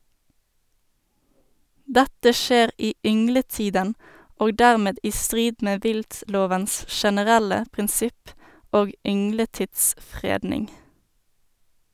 Dette skjer i yngletiden og dermed i strid med viltlovens generelle prinsipp og yngletidsfredning.